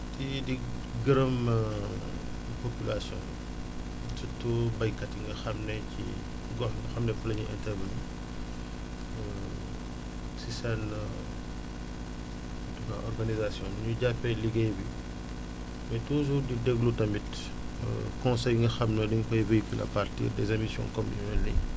kii di gërëm population surtout béykat yi nga xam ne ci gox gox bi nga xam ne foofu la ñuy intervenir si seen organisation nu ñu jàppee liggéey bi mais toujours di déglu tamit conseils yi nga xam ne dañ koy véhiculer à partir des émissions comme yu mel nii